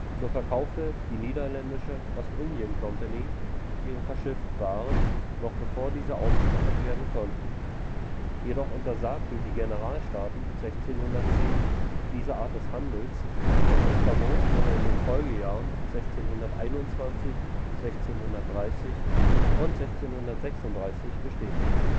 So verkaufte die Niederländische Ostindien-Kompanie ihre verschifften Waren, noch bevor diese ausgeliefert werden konnten. Jedoch untersagten die Generalstaaten 1610 diese Art des Handels, und das Verbot wurde in den Folgejahren, 1621, 1630 und 1636, bestätigt